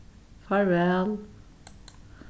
farvæl